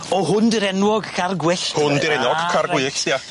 O hwn 'di'r enwog car gwyllt. Hwn di'r enwog car gwyllt ia.